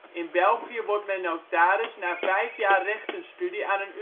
In België wordt men notaris na 5 jaar rechtenstudie aan een universiteit